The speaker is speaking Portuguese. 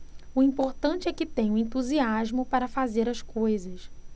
o importante é que tenho entusiasmo para fazer as coisas